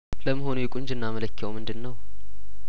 ለመሆኑ የቁንጅና መለኪያውምንድነው